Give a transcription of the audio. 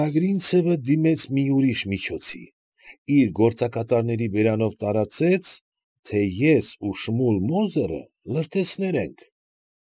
Ագրինցևը դիմեց մի ուրիշ միջոցի, իր գործակատարների բերանով տարածեց, թե ես ու Շմուլ Մոզերը լրտեսներ ենք։